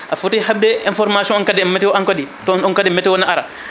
a footi hebde information kadi météo an kadi toon on kadi ne ara